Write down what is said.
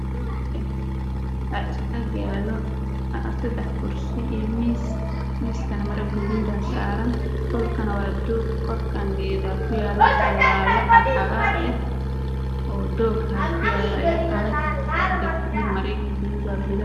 Waa is ayaalo sedax kursi iyo miis miiska maro gaduud baa dusha ka saaran